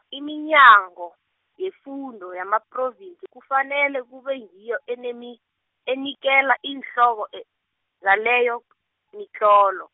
iminyango, yefundo yamaphrovinsi kufanele kube ngiyo enemi-, enikela iinhloko e-, zaleyo , mitlolo.